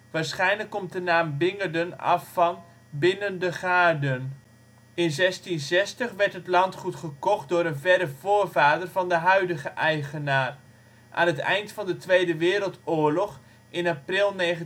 Waarschijnlijk komt de naam " Bingerden " af van " binnen de gaarden ". In 1660 werd het landgoed gekocht door een verre voorvader van de huidige eigenaar. Aan het eind van de Tweede Wereldoorlog, in april 1945